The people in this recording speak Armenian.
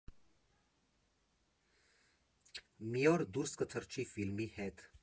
Մի օր դուրս կթռչի ֆիլմի հետ։